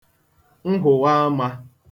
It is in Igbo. nhụwàamā